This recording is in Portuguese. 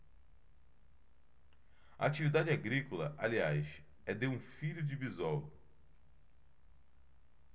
a atividade agrícola aliás é de um filho de bisol